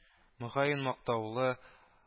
Мөгаен, мактаулы